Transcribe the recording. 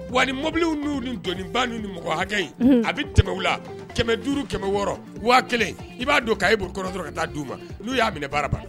Wa ni mɔbiliw n'u donnibaw ni mɔgɔ hakɛ in a bɛ tɛmɛ u la ,500,600,1000 i b'a don cahier bolo, kɔni kɔrɔ dɔrɔnw ka taa di u ma n' u y'a minɛ dɔrɔnw, baara baana